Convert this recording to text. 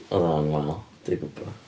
Oedd hwnna'n wael, dwi gwbod.